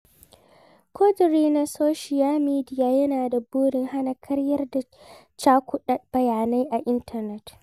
ƙudirin na soshiyal mediya yana da burin hana ƙarya da cakuɗa bayanai a intanet.